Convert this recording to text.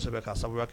Ka kɛ